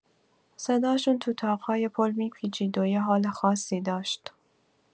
صداشون تو طاق‌های پل می‌پیچید و یه حال خاصی داشت.